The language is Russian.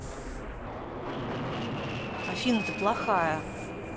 афина ты ты плохая